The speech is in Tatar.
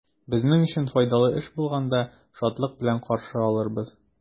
Безнең өчен файдалы эш булганда, шатлык белән каршы алырбыз.